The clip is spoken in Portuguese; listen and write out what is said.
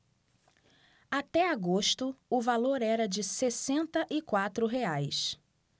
até agosto o valor era de sessenta e quatro reais